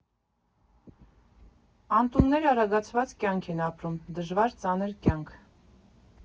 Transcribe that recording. Անտունները արագացված կյանք են ապրում, դժվար, ծանր կյանք։